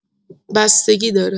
بستگی داره!